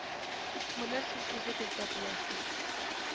Моны сез үзегез дә беләсез